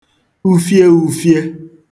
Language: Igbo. ufieūfiē